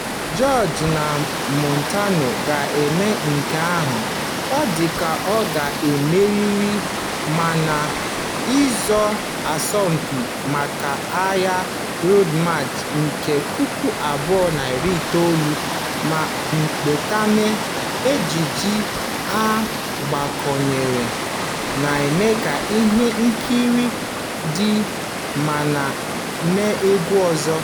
George na Montano ga-eme nke a, ọ dị ka ọ ga-emerịrị, ma na ịzọ asọmpị maka aha Road March nke 2019 ma opekatampe, ejije a gbakọnyere na-eme ka ihe nkiri dị mma ma mee egwu ọzọ.